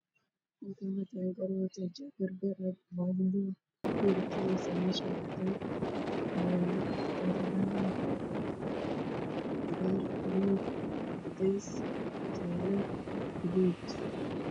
Halkaan waxaa taagan gabar wadato xijaab beer ah iyo cabaayad madow, roog cadeys meesha yaalo iyo maktabad cadaan ah, waxaa yaalo buugaag kale duwan cagaar, cadeys, gaduud, buluug iyo jaale.